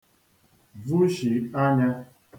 vushì anyā